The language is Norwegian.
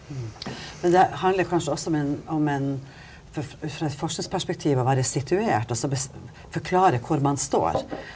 men det handler jo kanskje også om en om en fra et forskningsperspektiv å være situert og så forklare hvor man står.